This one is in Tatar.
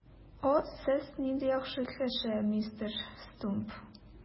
О, сез нинди яхшы кеше, мистер Стумп!